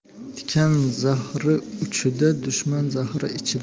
tikan zahri uchida dushman zahri ichida